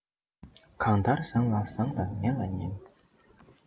གང ལྟར བཟང ལ བཟང དང ངན ལ ངན